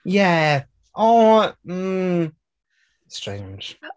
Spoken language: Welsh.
Ie! O! Mm. Strange.